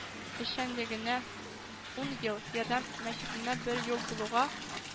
Эшчәнлегенә ун ел, “ярдәм” мәчетенә бер ел тулуга